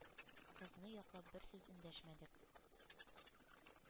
Кызны яклап бер сүз эндәшмәдек.